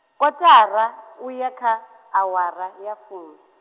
kotara, u ya kha, awara, ya fumi.